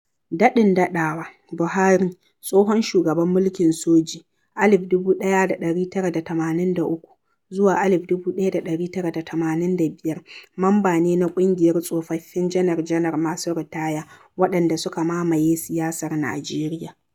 Daɗin-daɗawa, Buhari, tsohon shugaban mulkin soji (1983-1985) mamba ne na ƙungiyar tsofaffin janar-janar masu ritaya waɗanda suka mamaye siyasar Najeriya.